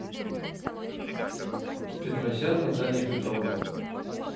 петросян наталья петровна